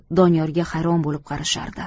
doniyorga hayron bo'lib qarashardi